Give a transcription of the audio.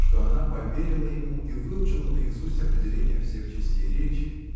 что она поверила ему и выучила наизусть определения всех частей речи.